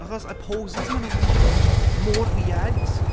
Achos, y poses maen nhw'n wneud, mor weird.